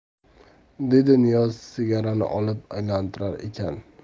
dedi niyoz sigarani olib aylantirar ekan